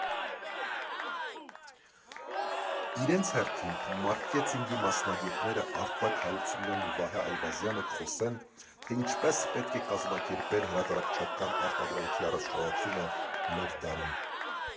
Իրենց հերթին, մարկետինգի մասնագետները Արտակ Հարությունյանն ու Վահե Այվազյանը կխոսեն, թե ինչպես է պետք կազմակերպել հրատարակչական արտադրանքի առաջխղացումը մեր դարում։